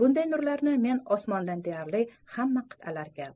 bunday nurlarni men osmondan deyarli hamma qit'alarga